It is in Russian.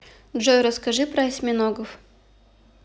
джой расскажи про осьминогов